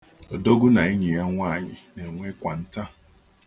Odogwu na enyi ya nwaanyị na-enwe kwanta.